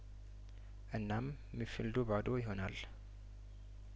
እናም ሚድፊልዱ ባዶ ይሆናል